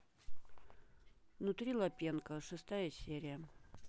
внутри лапенко шестая серия